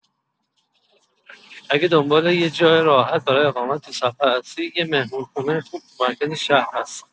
اگه دنبال یه جای راحت برای اقامت تو سفر هستی، یه مهمونخونه خوب تو مرکز شهر هست.